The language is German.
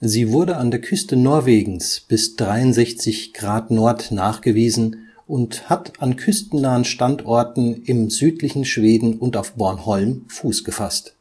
Sie wurde an der Küste Norwegens bis 63 °N nachgewiesen und hat an küstennahen Standorten im südlichen Schweden und auf Bornholm Fuß gefasst.